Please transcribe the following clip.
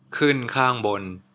ขึ้นข้างบน